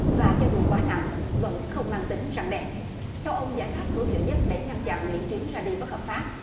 và cho dù quá nặng vẫn không mang tính răn đe theo ông giải pháp hữu hiệu nhất để ngăn chặn những chuyến ra đi bất hợp pháp